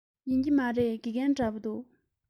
ཡིན གྱི མ རེད དགེ རྒན འདྲ པོ འདུག